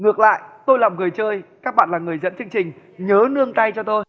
ngược lại tôi làm người chơi các bạn là người dẫn chương trình nhớ nương tay cho tôi